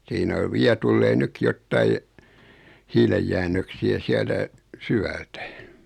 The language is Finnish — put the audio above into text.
siinä on vielä tulee nytkin jotakin hiilenjäännöksiä sieltä syvältä